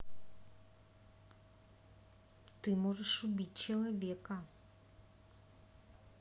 ты можешь убить человека